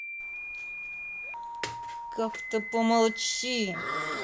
как то помолчи